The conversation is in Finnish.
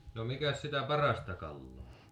no mikäs sitä parasta kalaa on